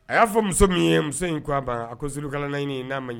A y'a fɔ muso min ye muso in ko a ban a ko surukala naaniɲini n'a ma ye